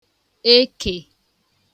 ekè